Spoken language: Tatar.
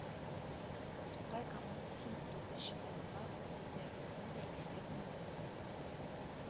Тукай командасының дүртенче урынга ук күтәрелүен дә искәртми булмый